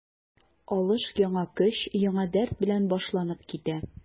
Алыш яңа көч, яңа дәрт белән башланып китә.